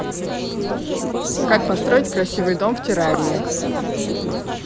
как построить красивый дом в террарии